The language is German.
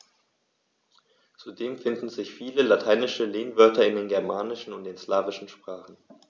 Zudem finden sich viele lateinische Lehnwörter in den germanischen und den slawischen Sprachen.